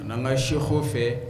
N'an ka sɛɔ fɛ